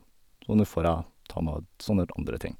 Så nå får jeg ta meg av sånn der andre ting.